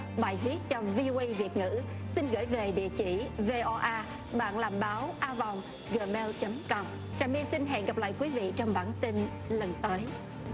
bài viết cho vi ô ây việt ngữ xin gửi về địa chỉ vê ô a bạn làm báo a vòng gờ meo chấm com trà my xin hẹn gặp lại quý vị trong bản tin lần tới